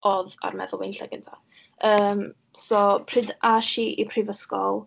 Oedd ar meddwl fi yn lle gynta. Yym, so pryd es i i prifysgol...